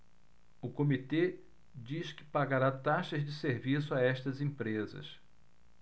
o comitê diz que pagará taxas de serviço a estas empresas